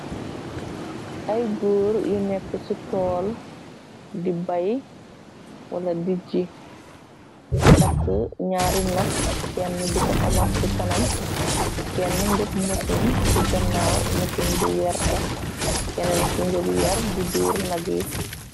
Ay góur yu nekk ci tool di bayë wala di jii takku ñyaari nak kennu di ko amat ci kanam kenn ngëp mësin ci gannaaw mësin bu werta keneen ki ngëb yar di duur nag yi.